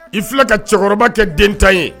I filɛ ka cɛkɔrɔba kɛ den tan ye